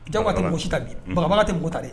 Jagoya te mɔgɔ si ta bi bagabaga te mɔgɔ ta de